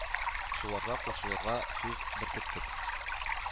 Шуларга кушылырга сүз беркеттек,